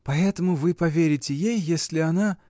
— Поэтому вы поверите ей, если она.